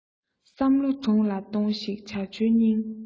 བསམ བློ འདྲོངས ལ ཐོངས ཤིག ཇོ ཇོའི སྙིང